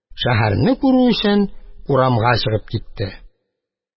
Шәһәрне күрү өчен, урамга чыгып китте.